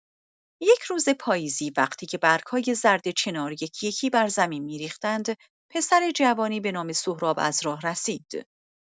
یک روز پاییزی، وقتی که برگ‌های زرد چنار یکی‌یکی بر زمین می‌ریختند، پسر جوانی به نام سهراب از راه رسید.